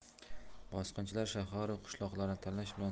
bosqinchilar shaharu qishloqlarni talash bilan qanoatlanmay